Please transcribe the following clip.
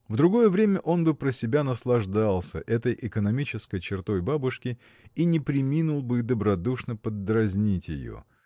В другое время он бы про себя наслаждался этой экономической чертой бабушки и не преминул бы добродушно подразнить ее.